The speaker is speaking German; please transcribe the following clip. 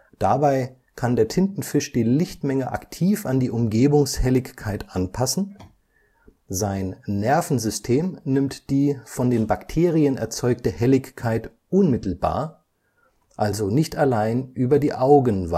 Dabei kann der Tintenfisch die Lichtmenge aktiv an die Umgebungshelligkeit anpassen, sein Nervensystem nimmt die von den Bakterien erzeugte Helligkeit unmittelbar (also nicht allein über die Augen